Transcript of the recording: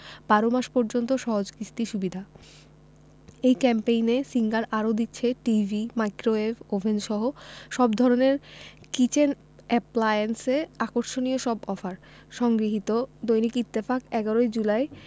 ১২ মাস পর্যন্ত সহজ কিস্তি সুবিধা এই ক্যাম্পেইনে সিঙ্গার আরো দিচ্ছে টিভি মাইক্রোওয়েভ ওভেনসহ সব ধরনের কিচেন অ্যাপ্লায়েন্সে আকর্ষণীয় সব অফার সংগৃহীত দৈনিক ইত্তেফাক ১১ জুলাই